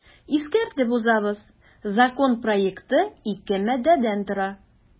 Искәртеп узабыз, закон проекты ике маддәдән тора.